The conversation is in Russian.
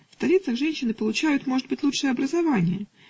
В столицах женщины получают, может быть, лучшее образование